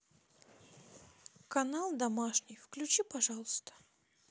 канал домашний включи пожалуйста